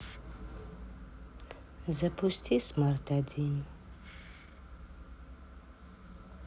запусти смарт один